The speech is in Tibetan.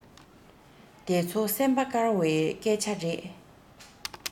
དེ ཚོ སེམས པ དཀར བའི སྐད ཆ རེད